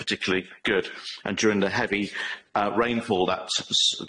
particularly good and during the heavy uh rainfall that s- s-